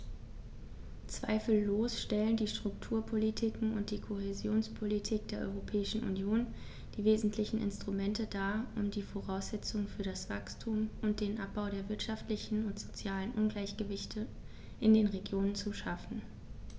Zweifellos stellen die Strukturpolitiken und die Kohäsionspolitik der Europäischen Union die wesentlichen Instrumente dar, um die Voraussetzungen für das Wachstum und den Abbau der wirtschaftlichen und sozialen Ungleichgewichte in den Regionen zu schaffen.